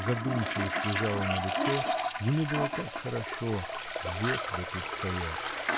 задумчивость лежала на лице, ему было так хорошо — век бы тут стоять.